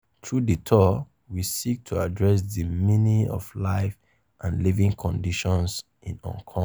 Through the tour, we seek to address the meaning of life and living conditions in Hong Kong.